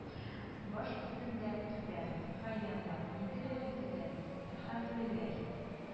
“баш өстемдә – түбәм, гаиләм бар, инде бәби көтәбез, әлхәмдүлилләһи